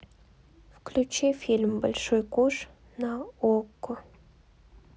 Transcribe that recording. включи фильм большой куш на окко